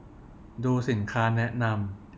ดูสินค้าแนะนำ